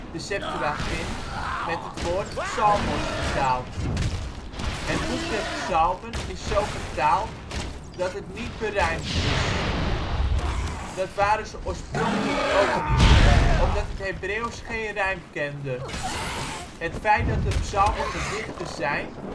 Septuagint) met het woord ψαλμος (psalmos) vertaald. Het Boek der Psalmen is zo vertaald, dat het niet berijmd is. Dat waren ze oorspronkelijk ook niet, omdat het Hebreeuws geen rijm kende. Het feit dat de psalmen gedichten zijn